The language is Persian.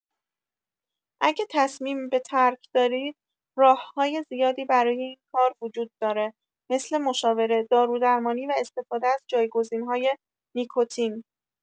اگه تصمیم به ترک دارید، راه‌های زیادی برای این کار وجود داره مثل مشاوره، دارودرمانی و استفاده از جایگزین‌های نیکوتین.